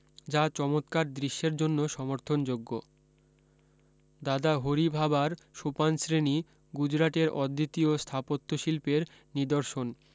যা চমতকার দৃশ্যের জন্য সমর্থনযোগ্য দাদা হরি ভাবার সোপানশ্রেনী গুজরাটের অদ্বিতীয় স্থাপত্য শিল্পের নিদর্শন